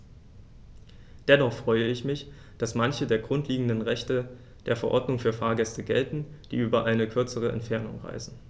Dennoch freue ich mich, dass manche der grundlegenden Rechte der Verordnung für Fahrgäste gelten, die über eine kürzere Entfernung reisen.